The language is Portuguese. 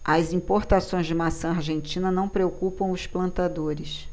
as importações de maçã argentina não preocupam os plantadores